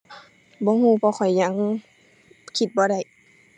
บ่รู้ เพราะข้อยยังคิดบ่ได้